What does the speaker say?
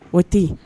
O tɛ yen